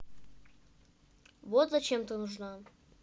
вот зачем ты нужна